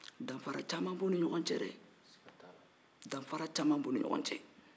danfara caman b'u ni ɲɔgɔn cɛ dɛ danfara caman b'u ni ɲɔgɔn cɛ